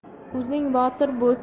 o'zing botir bo'lsang